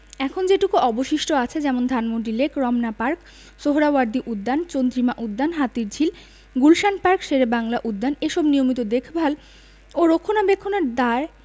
এখন যেটুকু অবশিষ্ট আছে যেমন ধানমন্ডি লেক রমনা পার্ক সোহ্রাওয়ার্দী উদ্যান চন্দ্রিমা উদ্যান হাতিরঝিল গুলশান পার্ক শেরেবাংলা উদ্যান এসব নিয়মিত দেখভাল ও রক্ষণাবেক্ষণের দায়